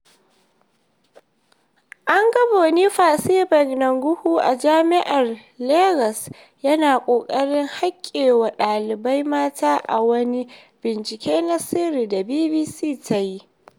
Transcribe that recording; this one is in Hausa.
An ga Boniface Igbeneghu na Jami'ar Legas yana ƙoƙarin haikewa ɗalibai mata a wani bincike na sirri da BBC ta yi.